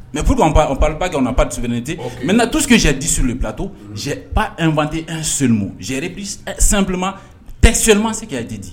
Mɛ p don ankɛ pati sɛbɛnpnen ten mɛ na tosike sariya di sur de pto pa n2te n somu zre sanpma tɛ soma se ka' de di